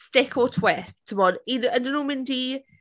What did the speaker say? Stick or twist tibod? Un- ydyn nhw'n mynd i...